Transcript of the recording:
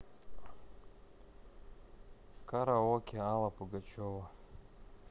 караоке алла пугачева